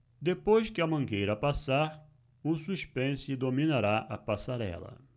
depois que a mangueira passar o suspense dominará a passarela